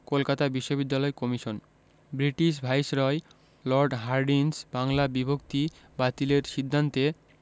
কলকাতা বিশ্ববিদ্যালয় commission British viceroy Lord Hardinge Bangla বিভক্তি বাতিলের সিদ্ধান্তে